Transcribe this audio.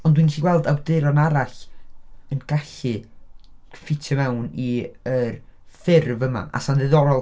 ..ond dwi'n gallu gweld awduron arall yn gallu ffitio fewn i yr ffurf yma a 'sa'n ddiddorol...